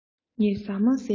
ངས ཟ མ བཟས ཚར